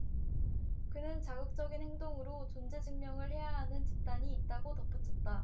그는 자극적인 행동으로 존재증명을 해야 하는 집단이 있다고 덧붙였다